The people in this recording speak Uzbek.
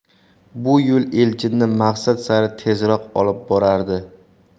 bu yo'l elchinni maqsad sari tezroq olib borardi